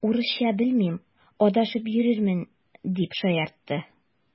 Урысча белмим, адашып йөрермен, дип шаяртты.